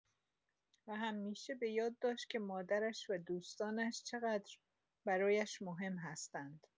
و همیشه بۀاد داشت که مادرش و دوستانش چقدر برایش مهم هستند.